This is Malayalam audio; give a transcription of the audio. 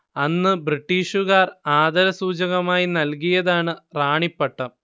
അന്ന് ബ്രിട്ടീഷുകാർ ആദരസൂചകമായി നൽകിയതാണ് റാണി പട്ടം